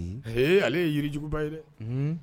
Ee ale ye yirijuguba ye dɛ